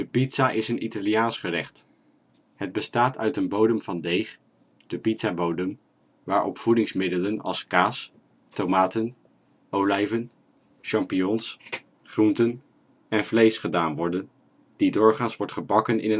pizza is een Italiaans gerecht. Het bestaat uit een bodem van deeg, de pizzabodem, waarop voedingsmiddelen als kaas, tomaten, olijven, champignons, groenten en vlees, gedaan worden, die doorgaans wordt gebakken in